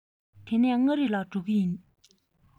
དེ ནས མངའ རིས ལ འགྲོ གི ཡིན